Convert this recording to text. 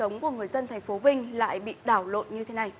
sống của người dân thành phố vinh lại bị đảo lộn như thế này